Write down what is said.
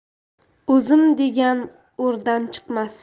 o'zim degan o'rdan chiqmas